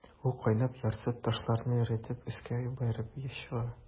Ул кайнап, ярсып, ташларны эретеп өскә бәреп чыга.